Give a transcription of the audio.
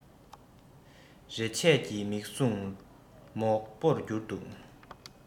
རེ ཆད ཀྱི མིག ཟུང མོག པོར གྱུར འདུག